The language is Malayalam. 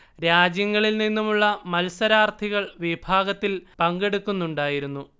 രാജ്യങ്ങളിൽ നിന്നുമുള്ള മത്സരാർത്ഥികൾ വിഭാഗത്തിൽ പങ്കെടുക്കുന്നുണ്ടായിരുന്നു